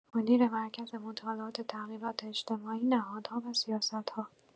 مدیر مرکز مطالعات تغییرات اجتماعی، نهادها و سیاست‌ها